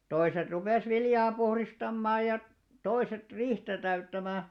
toiset rupesi viljaa puhdistamaan ja toiset riihtä täyttämään